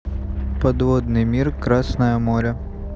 подводный мир красное море